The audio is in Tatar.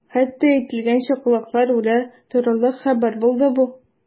Хатта әйтелгәнчә, колаклар үрә торырлык хәбәр булды бу.